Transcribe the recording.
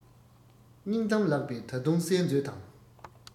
སྙིང གཏམ ལགས པས ད དུང གསན མཛོད དང